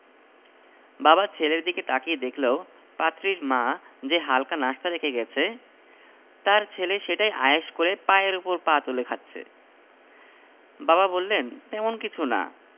বাবা ছেলের দিকে তাকিয়ে দেখল পাত্রীর মা যে হালকা নাশতা রেখে গেছে তার ছেলে সেটাই আয়েশ করে পায়ের ওপর পা তুলে খাচ্ছে বাবা বললেন তেমন কিছু না